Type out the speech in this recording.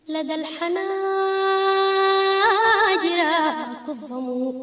Fulayanjira faama